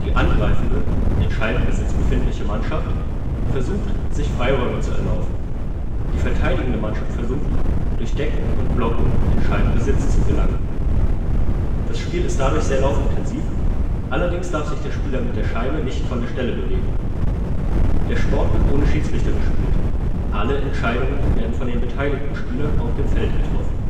angreifende (in Scheibenbesitz befindliche) Mannschaft versucht, sich Freiräume zu erlaufen; die verteidigende Mannschaft versucht, durch Decken und Blocken in Scheibenbesitz zu gelangen. Das Spiel ist dadurch sehr laufintensiv, allerdings darf sich der Spieler mit der Scheibe nicht von der Stelle bewegen. Der Sport wird ohne Schiedsrichter gespielt, alle Entscheidungen werden von den beteiligten Spielern auf dem Feld getroffen